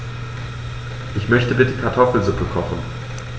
Ich möchte bitte Kartoffelsuppe kochen.